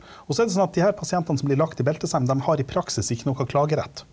også er det sånn at de her pasientene som blir lagt i belteseng, dem har i praksis ikke noe klagerett.